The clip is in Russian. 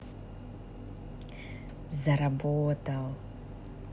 заработал